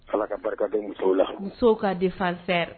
Ala ka barika da a' musow la, musow ka défenseur